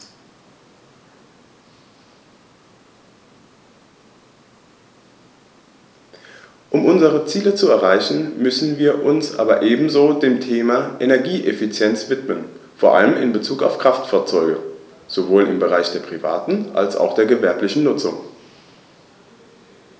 Um unsere Ziele zu erreichen, müssen wir uns aber ebenso dem Thema Energieeffizienz widmen, vor allem in Bezug auf Kraftfahrzeuge - sowohl im Bereich der privaten als auch der gewerblichen Nutzung.